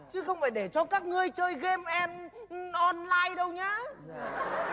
chứ không phải để cho các ngươi chơi ghêm en on lai đâu nhá dạ